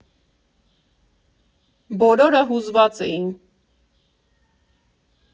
Բոլորը հուզված էին։